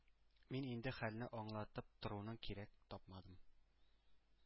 Мин инде хәлне аңлатып торуны кирәк тапмадым.